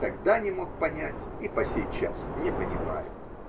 Тогда не мог понять, и по сей час не понимаю.